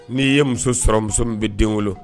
Ni ye muso sɔrɔ muso min bɛ den wolo